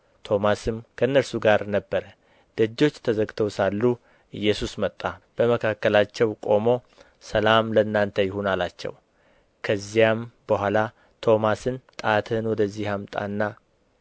ቶማስም ከእነርሱ ጋር ነበረ ደጆች ተዘግተው ሳሉ ኢየሱስ መጣ በመካከላቸውም ቆሞ ሰላም ለእናንተ ይሁን አላቸው ከዚያም በኋላ ቶማስን ጣትህን ወደዚህ አምጣና